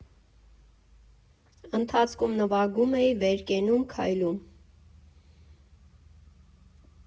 Ընթացքում նվագում էր, վեր կենում, քայլում»։